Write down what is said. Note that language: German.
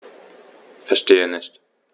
Verstehe nicht.